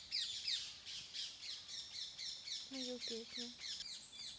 мою песню